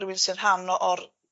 rywun sy rhan o- o'r